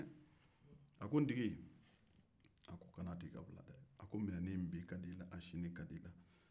ako n tigi kana to i ka bila dɛ a ko minɛni in bi ka di i la a sinin ka di i la